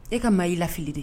E ka maa i lafili de